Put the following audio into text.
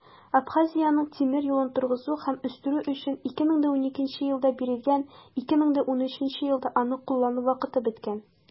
Абхазиянең тимер юлын торгызу һәм үстерү өчен кредит 2012 елда бирелгән, 2013 елда аны куллану вакыты беткән.